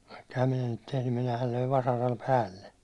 vaikka enhän minä niitä tehnyt minähän löin vasaralla päälle